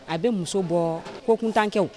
A bɛ muso bɔ ko kuntankɛ